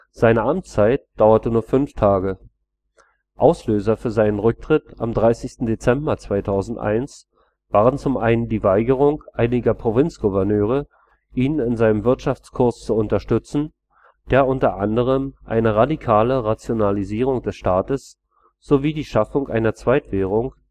Seine Amtszeit dauerte nur fünf Tage. Auslöser für seinen Rücktritt am 30. Dezember 2001 waren zum einen die Weigerung einiger Provinzgouverneure, ihn in seinem Wirtschaftskurs zu unterstützen, der unter anderem eine radikale Rationalisierung des Staates sowie die Schaffung einer Zweitwährung